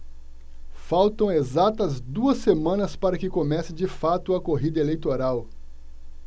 faltam exatas duas semanas para que comece de fato a corrida eleitoral